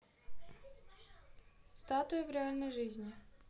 статуя в реальной жизни